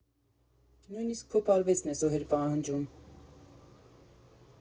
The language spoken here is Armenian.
Նույնիսկ փոփ֊արվեստն է զոհեր պահանջում։